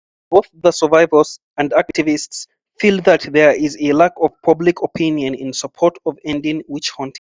Both the survivors and activists feel that there is a lack of public opinion in support of ending witch-hunting.